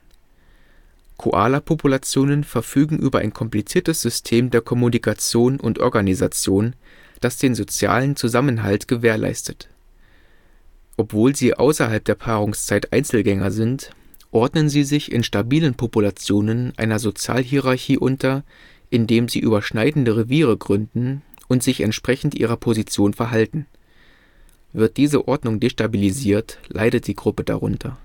Koalapopulationen verfügen über ein kompliziertes System der Kommunikation und Organisation, das den sozialen Zusammenhalt gewährleistet. Obwohl sie außerhalb der Paarungszeit Einzelgänger sind, ordnen sie sich in stabilen Populationen einer Sozialhierarchie unter, indem sie überschneidende Reviere gründen und sich entsprechend ihrer Position verhalten. Wird diese Ordnung destabilisiert, leidet die Gruppe darunter